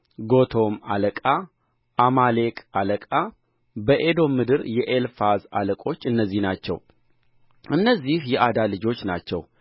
ጎቶም አለቃ አማሌቅ አለቃ በኤዶም ምድር የኤልፋዝ አለቆች እነዚህ ናቸው እነዚህ የዓዳ ልጆች ናቸው